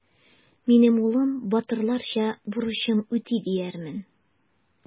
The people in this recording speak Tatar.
Минем улым батырларча бурычын үти диярмен.